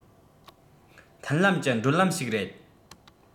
མཐུན ལམ གྱི བགྲོད ལམ ཞིག རེད